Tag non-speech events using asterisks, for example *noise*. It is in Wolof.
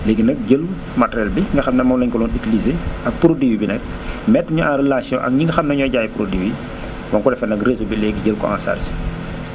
léegi nag jël *noise* matériel bi nga xam ne moom la ñu ko doon utilisé *noise* ak produit bi nag mettre ñu en relation ak ñi nga xam ne ñooy jaay produit yi *noise* ba mu ko defee nag réseau bi léegi jël ko en charge *noise*